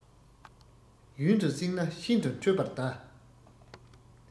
ཡུན དུ བསྲིངས ན ཤིན ཏུ འཕྲོད པར གདའ